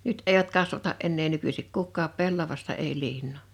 nyt eivät kasvata enää nykyisin kukaan pellavaista ei liinaa